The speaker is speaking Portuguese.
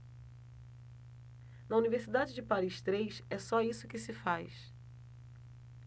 na universidade de paris três é só isso que se faz